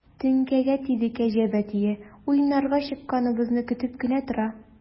Теңкәгә тиде кәҗә бәтие, уйнарга чыкканыбызны көтеп кенә тора.